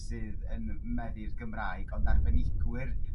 sydd yn meddu'r Gymraeg ond arbenigwyr